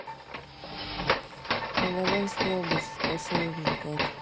магаданская область поселок дукат